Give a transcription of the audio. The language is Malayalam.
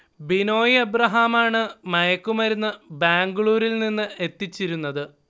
ബിനോയ് ഏബ്രഹാമാണ് മയക്കുമരുന്ന് ബാംഗ്ലൂരിൽ നിന്ന് എത്തിച്ചിരുന്നത്